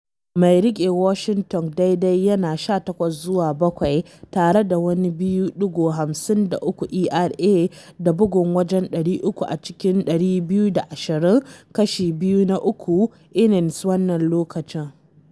Mai riƙe Washington daidai yana 18-7 tare da wani 2.53 ERA da bugun waje 300 a cikin 220 2/3 innings wannan lokacin.